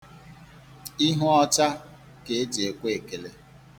Ihu ọcha ka e ji ekwe ekele.